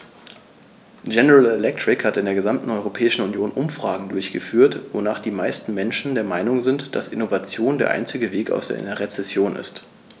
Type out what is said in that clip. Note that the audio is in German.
General Electric hat in der gesamten Europäischen Union Umfragen durchgeführt, wonach die meisten Menschen der Meinung sind, dass Innovation der einzige Weg aus einer Rezession ist.